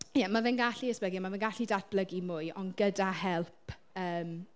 Ie ma' fe'n gallu esblygu a mae fe'n gallu datblygu mwy. Ond gyda help yym...